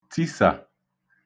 tisà